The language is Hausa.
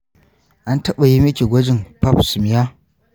an taɓa yi miki gwajin pap smear?